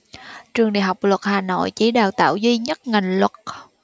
trường đại học luật hà nội chỉ đào tạo duy nhất ngành luật